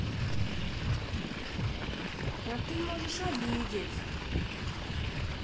а ты можешь обидеть